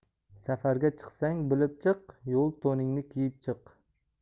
safarga chiqsang bilib chiq yo'l to'ningni kiyib chiq